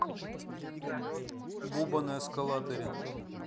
буба на эскалаторе